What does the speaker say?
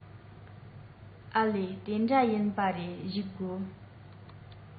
ཨ ལས དེ འདྲ ཡིན པ རེད བཞུགས དགོ